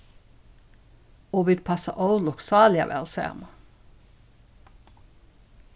og vit passa ólukksáliga væl saman